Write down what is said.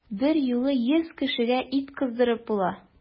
Берьюлы йөз кешегә ит кыздырып була!